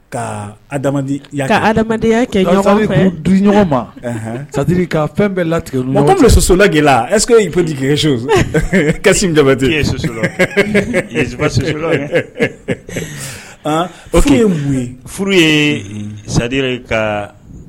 Ka ka adamadenya kɛ ɲɔgɔn ma sadiri ka fɛn bɛɛ latigɛ sosola la eseke'i o' ye mun ye furu ye sadi ka